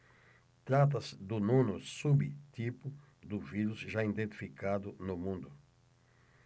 trata-se do nono subtipo do vírus já identificado no mundo